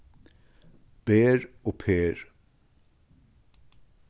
ber og per